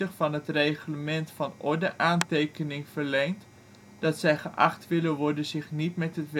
van het reglement van orde aantekening verleend, dat zij geacht willen worden zich niet met het